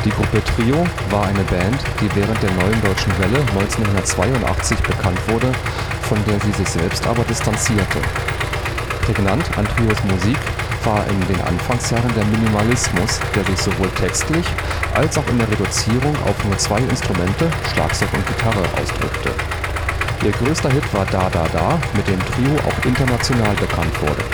Gruppe Trio war eine Band, die während der Neuen Deutschen Welle 1982 bekannt wurde, von der sie sich selbst aber distanzierte. Prägnant an Trios Musik war in den Anfangsjahren der Minimalismus, der sich sowohl textlich als auch in der Reduzierung auf nur zwei Instrumente (Schlagzeug und Gitarre) ausdrückte. Ihr größter Hit war „ Da da da “, mit dem Trio auch international bekannt wurde